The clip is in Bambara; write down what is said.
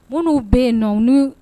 Minnu'u bɛ yen nɔ